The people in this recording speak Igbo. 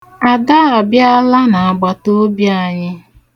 Ada abịala na agbataobi anyị.